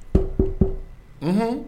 , Unhun.